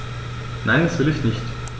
Nein, das will ich nicht.